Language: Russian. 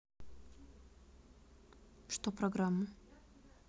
что программу